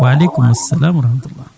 waley kuma salam wa rahmatulla